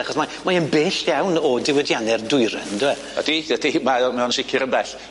Achos mae mae yn bell iawn o diwydianne'r dwyren yndyw e? Ydi. Ydi mae o mae o'n sicir yn bell.